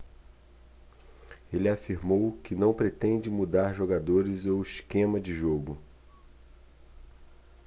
ele afirmou que não pretende mudar jogadores ou esquema de jogo